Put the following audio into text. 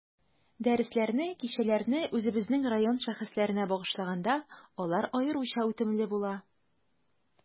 Дәресләрне, кичәләрне үзебезнең район шәхесләренә багышлаганда, алар аеруча үтемле була.